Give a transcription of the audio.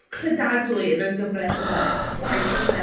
Credadwy yn y gyfres yma chwaith, oes e?